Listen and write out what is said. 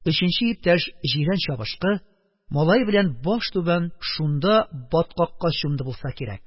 Өченче иптәш - җирән чабышкы, малае белән баштүбән шунда баткакка чумды булса кирәк.